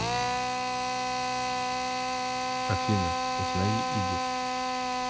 афина установи иди